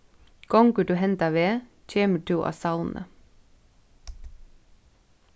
gongur tú henda veg kemur tú á savnið